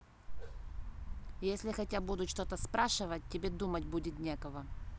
если хотя буду что то спрашивать тебе думать будет некого